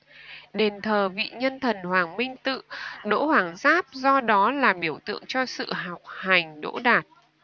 đền thờ vị nhân thần hoàng minh tự đỗ hoàng giáp do đó là biểu tượng cho sự học hành đỗ đạt